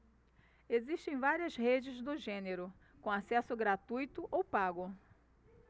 existem várias redes do gênero com acesso gratuito ou pago